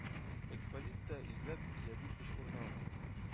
Экспозициядә йөзләп иҗади эш урын алган,